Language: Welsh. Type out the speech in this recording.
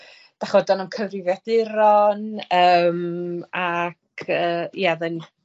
dach 'od do'n na'm cyfrifiaduron yym ac yy ia odd yn